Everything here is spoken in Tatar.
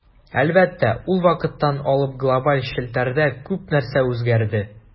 Әлбәттә, ул вакыттан алып глобаль челтәрдә күп нәрсә үзгәрде.